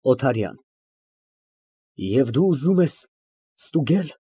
ՕԹԱՐՅԱՆ ֊ Եվ դու ուզում ես ստուգե՞լ։